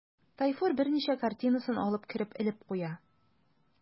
Тайфур берничә картинасын алып кереп элеп куя.